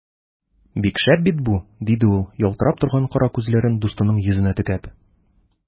Бик шәп бит бу! - диде ул, ялтырап торган кара күзләрен дустының йөзенә текәп.